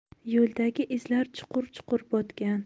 yo'ldagi izlar chuqurchuqur botgan